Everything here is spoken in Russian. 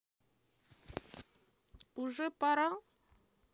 уже пора